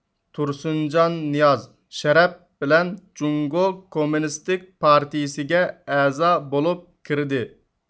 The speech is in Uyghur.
تۇرسۇنجان نىياز شەرەپ بىلەن جۇڭگو كوممۇنىستىك پارتىيىسىگە ئەزا بولۇپ كىردى